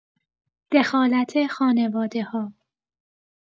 دخالت خانواده‌ها